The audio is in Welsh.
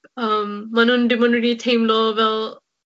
a ma' nw'n dim ond wedi teimlo fel